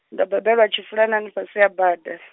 ndo bebelwa Tshifulanani fhasi ha bada s-.